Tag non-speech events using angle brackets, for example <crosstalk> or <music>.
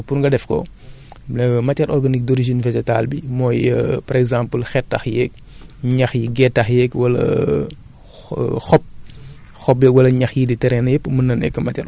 léegi compostage boobu noonu pour nga compostage boobu pour nga def ko <hesitation> matière organique d' origine végétal bi mooy <hesitation> par exemple xetax yeeg ñax yi getax yeeg wala <hesitation> xo xob